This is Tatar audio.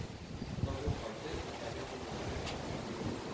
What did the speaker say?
Кызу кайтты, тәне сүрелде.